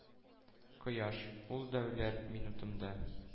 Кояш... ул да үләр минутымда